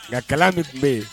Nka kala min tun bɛ yen